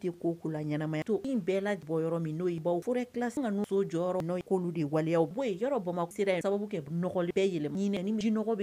Bɛɛ kilasi ka jɔyɔrɔ de wale bɔ ye yɔrɔ bɔnma sera sababu kɛ nɔgɔli bɛ yɛlɛ